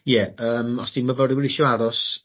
ie yym os 'di myfyrwyr isio aros